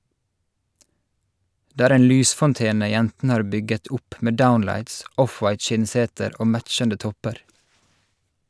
Det er en lysfontene jentene har bygget opp med downlights, offwhite skinnseter og matchende topper.